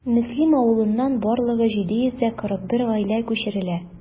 Мөслим авылыннан барлыгы 741 гаилә күчерелә.